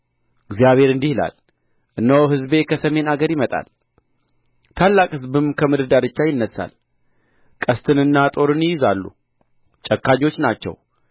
እግዚአብሔር እንዲህ ይላል እነሆ ሕዝብ ከሰሜን አገር ይመጣል ታላቅ ሕዝብም ከምድር ዳርቻ ይነሣል ቀስትንና ጦርን ይይዛሉ ጨካኞች ናቸው